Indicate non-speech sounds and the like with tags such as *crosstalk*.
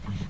*hesitation* *hesitation*